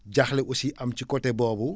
jaaxle aussi am ci côté boobu